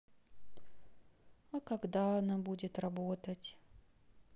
а когда она будет работать